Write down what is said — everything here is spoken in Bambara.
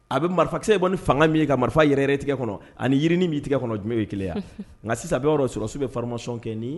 A be marifakisɛ bɛ bɔ ni fanga min ye ka marifa yɛrɛyɛrɛ i tigɛ kɔnɔ ani yirinin b'i tigɛ kɔnɔ jume ye 1 ye a ŋa sisan bɛ b'a dɔn sɔrɔsiw bɛ formation kɛ ni